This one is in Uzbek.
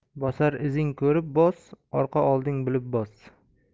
bosar izing ko'rib bos orqa olding bilib bos